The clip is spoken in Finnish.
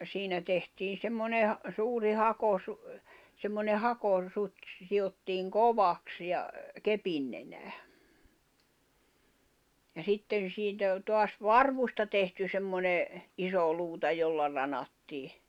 siinä tehtiin semmoinen suuri - semmoinen - hakosuti se sidottiin kovaksi ja kepin nenään ja sitten siitä taas varvusta tehty semmoinen iso luuta jolla ranattiin